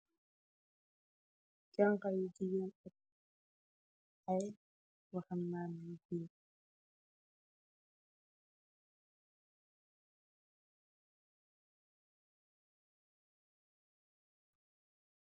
ayyi haleh yuu tahow ak nyew tokk.